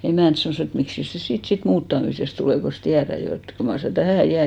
emänt sanoi että miksikäs se siitä sitten muuttamisesta tulee kun tiedät jo että kyllä mar sinä tähän jäät